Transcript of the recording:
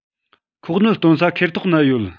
ཁོག ནད སྟོན ས ཁེར ཐོག ན ཡོད